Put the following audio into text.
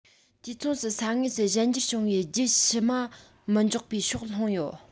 དུས མཚུངས སུ ས ངོས སུ གཞན འགྱུར བྱུང བའི རྒྱུད ཕྱི མ མི འཇོག པའི ཕྱོགས ལྷུང ཡོད